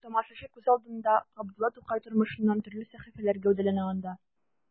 Тамашачы күз алдында Габдулла Тукай тормышыннан төрле сәхифәләр гәүдәләнә анда.